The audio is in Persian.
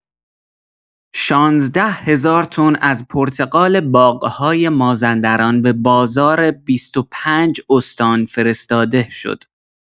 ۱۶ هزار تن از پرتقال باغ‌های مازندران به بازار ۲۵ استان فرستاده شد.